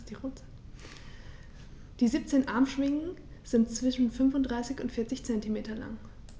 Die 17 Armschwingen sind zwischen 35 und 40 cm lang.